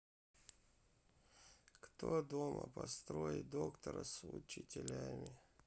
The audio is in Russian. кто дома построит доктора с учителями